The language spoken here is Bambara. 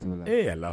Ee yala